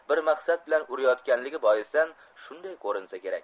bir maqsad bilan urayotganligi boisidan shunday ko'rinsa kerak